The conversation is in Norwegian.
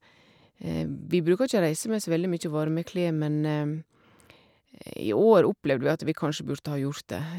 Vi bruker ikke å reise med så veldig mye varme klær, men i år opplevde vi at vi kanskje burde ha gjort det.